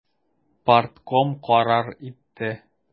Партком карар итте.